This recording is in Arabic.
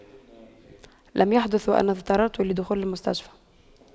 لم يحدث وأن اضطررت لدخول المستشفى